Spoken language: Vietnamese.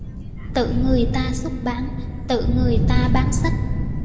tự người ta xuất bản tự người ta bán sách